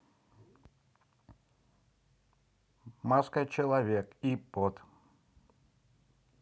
маской человек и под